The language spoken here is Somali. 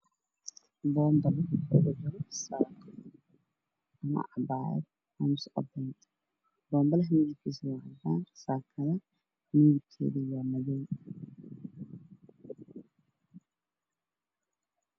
Waa carwo waxaa iiga muuqda dhar dumar oo midabkoodu yahay madow iyo bombale cadaan ah